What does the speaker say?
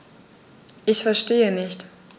Ich verstehe nicht.